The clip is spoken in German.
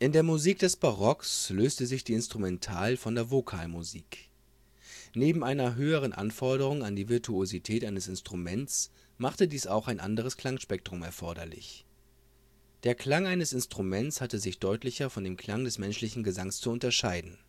der Musik des Barocks löste sich die Instrumental - von der Vokalmusik. Neben einer höheren Anforderung an die Virtuosität eines Instruments machte dies auch ein anderes Klangspektrum erforderlich. Der Klang eines Instruments hatte sich deutlicher von dem Klang des menschlichen Gesangs zu unterscheiden